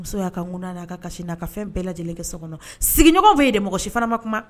Muso y'a ka mun a ka kasi n'a ka fɛn bɛɛ lajɛlenkɛ so kɔnɔ sigiɲɔgɔn fɛ yen de mɔgɔ si fana ma kuma